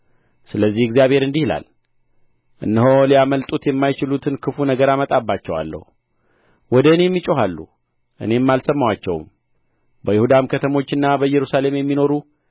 ስለዚህ እግዚአብሔር እንዲህ ይላል እነሆ ሊያመልጡት የማይችሉትን ክፉ ነገር አመጣባቸዋለሁ ወደ እኔም ይጮኻሉ እኔም አልሰማቸውም በይሁዳም ከተሞችና በኢየሩሳሌም የሚኖሩ